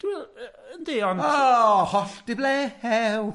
Dwi'n yy yndi, ond… O, hollt i ble hew!